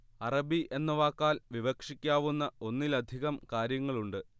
അറബി എന്ന വാക്കാൽ വിവക്ഷിക്കാവുന്ന ഒന്നിലധികം കാര്യങ്ങളുണ്ട്